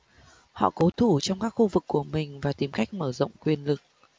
họ cố thủ trong các khu vực của mình và tìm cách mở rộng quyền lực